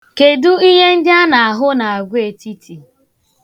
Kedụ ihe ndị a na-ahụ n'agwaetiti?